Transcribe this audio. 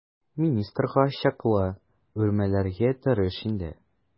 Министрга чаклы үрмәләргә тырыш инде.